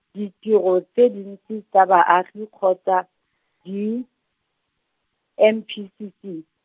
ditiro tse dintsi tsa baagi kgotsa, di, M P C C.